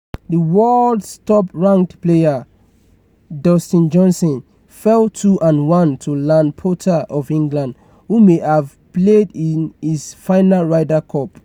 The world's top-ranked player, Dustin Johnson, fell 2 and 1 to Ian Poulter of England who may have played in his final Ryder Cup.